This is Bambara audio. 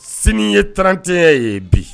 Sini ye trante ye bi